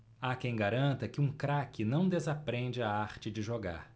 há quem garanta que um craque não desaprende a arte de jogar